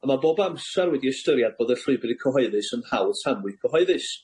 a ma' bob amsar wedi ystyriad bod y llwybyr cyhoeddus yn hawl tramwy cyhoeddus.